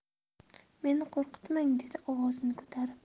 meni qo'rqitmang dedi ovozini ko'tarib